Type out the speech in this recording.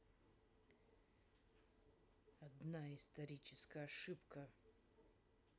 одна историческая ошибка